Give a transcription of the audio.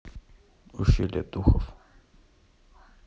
ущелье духов